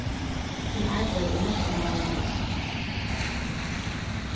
hon arbeiðir í mentamálaráðnum